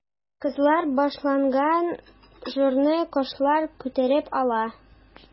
Кызлар башлаган җырны кошлар күтәреп ала.